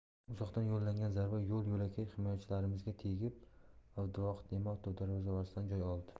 uzoqdan yo'llangan zarba yo'l yo'lakay himoyachilarimizga tegib abduvohid ne'matov darvozasidan joy oldi